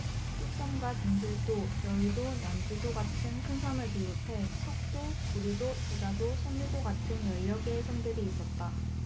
뚝섬과 잠실도 여의도 난지도 같은 큰 섬을 비롯해 석도 부리도 저자도 선유도 같은 열 여개의 섬들이 있었다